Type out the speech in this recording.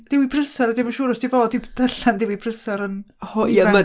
Dewi Prysor a dwi'm yn sŵr os 'di o fod i ddarllen Dewi Prysor yn ho- ifanc.